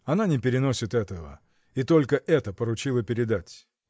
Она не переносит этого — и только это поручила передать.